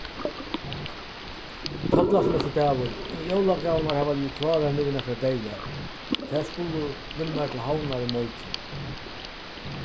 tollaksmessudagur jólagávurnar hava ligið klárar nú í nakrar dagar tær skulu við mær til havnar í morgin